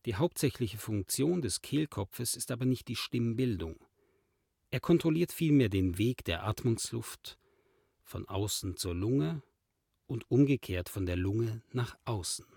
hauptsächliche Funktion des Kehlkopfes ist aber nicht die Stimmbildung. Er kontrolliert vielmehr den Weg der Atmungsluft von außen zur Lunge und umgekehrt von der Lunge nach außen